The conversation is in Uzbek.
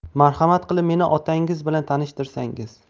marhamat qilib meni otanggiz bilan tanishtirsangiz